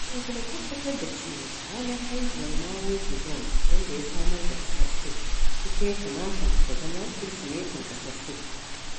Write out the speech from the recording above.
Sun kuma tabbatar da cewa ranar haihuwar Mao Zedong, wanda ya samar da ƙasar Sin, ita ya kamata ta zama Kirsimetin ƙasar Sin.